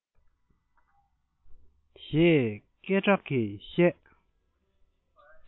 ཞེས སྐད འགྲག གིས བཤད